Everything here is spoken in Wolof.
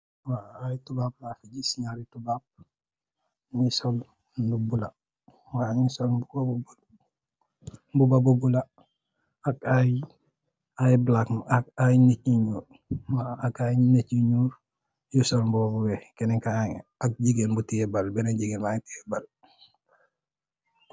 Waaw, ay tuubab laa fi gis. Ñaari tuubab ñu ngi sol mbuba bu bulo ak ay nit ñu ñuul ñu sol mbuba weex, ak jigéen bu tiye bal.